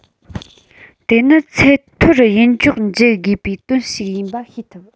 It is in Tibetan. དེ ནི ཚད མཐོར ཡིད འཇོག བགྱི དགོས པའི དོན ཞིག ཡིན པ ཤེས ཐུབ